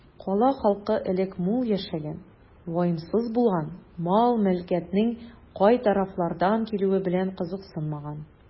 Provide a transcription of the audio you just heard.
Кала халкы элек мул яшәгән, ваемсыз булган, мал-мөлкәтнең кай тарафлардан килүе белән кызыксынмаган.